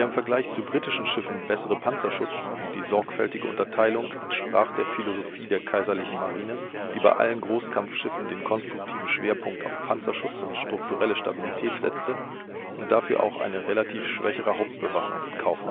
Vergleich zu britischen Schiffen bessere Panzerschutz und die sorgfältige Unterteilung entsprachen der Philosophie der kaiserlichen Marine, die bei allen Großkampfschiffen den konstruktiven Schwerpunkt auf Panzerschutz und strukturelle Stabilität setzte und dafür auch eine relativ schwächere Hauptbewaffnung in Kauf